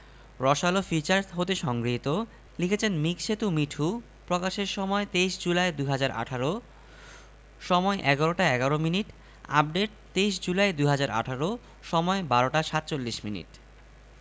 রসআলো feature হতে সংগৃহীত লিখেছেনঃ মিকসেতু মিঠু প্রকাশের সময়ঃ ২৩ জুলাই ২০১৮ সময়ঃ ১১টা ১১মিনিট আপডেট ২৩ জুলাই ২০১৮ সময়ঃ ১২টা ৪৭মিনিট